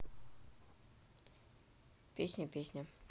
песня песня